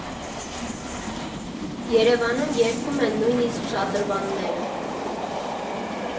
Երևանում երգում են նույնսիկ շատրվանները։